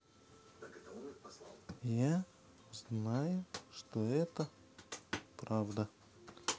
я знаю что это правда